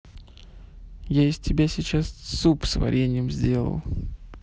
я из тебя сейчас суп с вареньем сделал